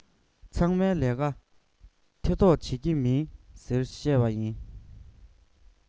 ཚང མའི ལས ཀར ཐེ གཏོགས བྱེད ཀྱི མིན ཟེར བཤད པ ཡིན